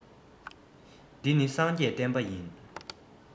འདི ནི སངས རྒྱས བསྟན པ ཡིན